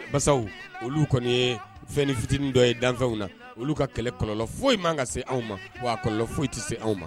Basaw olu kɔni ye fɛn ni fitinin dɔ ye danfɛnw na olu ka kɛlɛ kɔlɔlɔ foyi man ka se anw ma wa kɔlɔ foyi tɛ se' ma